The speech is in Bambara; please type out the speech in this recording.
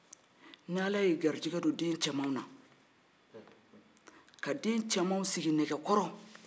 ni ala yi garijigɛ don den cɛw na ka den cɛmanw sigi nɛgɛ kɔrɔ